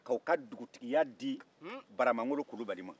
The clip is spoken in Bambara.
ka u ka dugutiya di baramangolo kulubali ma